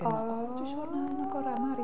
O, dwi'n siŵr na un o gorau Mari.